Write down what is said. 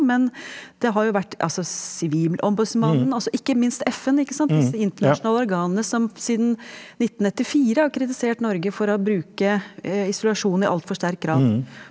men det har jo vært altså sivilombudsmannen altså ikke minst FN ikke sant disse internasjonale organene som siden 1994 har kritisert Norge for å bruke isolasjon i alt for sterk grad.